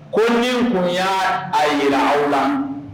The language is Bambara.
Ko ni kun y'a a jira aw la?